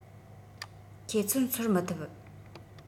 ཁྱེད ཚོར ཚོར མི ཐུབ